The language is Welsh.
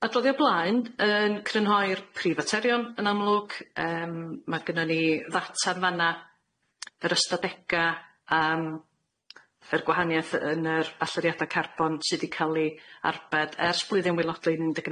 Adroddiad blaen yn crynhoi'r prifaterion yn amlwg yym ma' gynnon ni ddata yn fan'na yr ystadega' yym yr gwahaniaeth yy yn yr alluriada' carbon sy' di ca'l ei arbed ers blwyddyn waelodlin un deg